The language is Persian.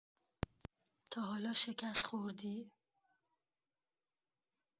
تا حالا شکست خوردی؟